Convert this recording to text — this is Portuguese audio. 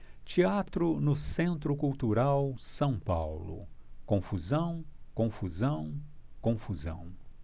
teatro no centro cultural são paulo confusão confusão confusão